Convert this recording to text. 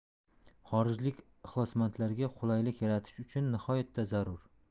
xorijlik ixlosmandlarga qulaylik yaratish uchun nihoyatda zarur